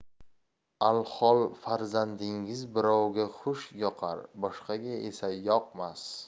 alhol farzandingiz birovga xush yoqar boshqaga esa yoqmas